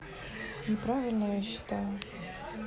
неправильно я считаю